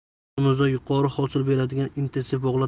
yurtimizda yuqori hosil beradigan intensiv bog'lar